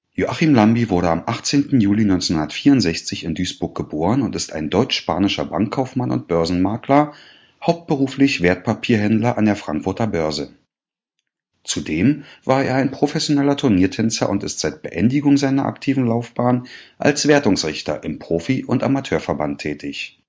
Joachim Llambi [joˈaxɪm ˈʎambi] (* 18. Juli 1964 in Duisburg) ist ein deutsch-spanischer Bankkaufmann und Börsenmakler, hauptberuflich Wertpapierhändler an der Frankfurter Börse. Zudem war er ein professioneller Turniertänzer und ist seit Beendigung seiner aktiven Laufbahn als Wertungsrichter im Profi - und Amateurverband tätig